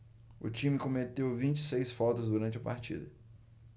o time cometeu vinte e seis faltas durante a partida